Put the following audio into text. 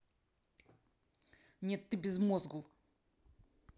нет ты безмозгл